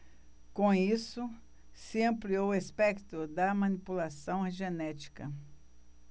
com isso se ampliou o espectro da manipulação genética